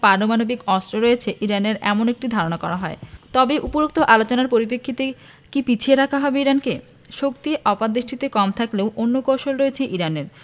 পারমাণবিক অস্ত্র রয়েছে ইরানের এমন একটি ধারণা করা হয় তবে উপরোক্ত আলোচনার পরিপ্রেক্ষিতে কি পিছিয়ে রাখা হবে ইরানকে শক্তি আপাতদৃষ্টিতে কম থাকলেও অন্য কৌশল রয়েছে ইরানের